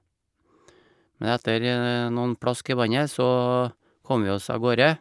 Men etter noen plask i vannet så kom vi oss av gårde.